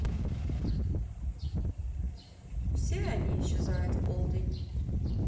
все они исчезают в полдень